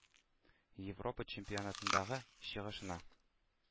ЕвропаЧемпионатындагы чыгышына